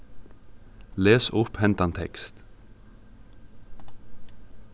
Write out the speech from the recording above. les upp hendan tekst